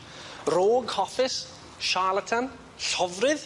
Roag hoffus? Charlatan? Llofrydd?